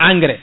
engrain